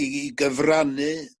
i gyfrannu